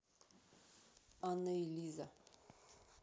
анна и эльза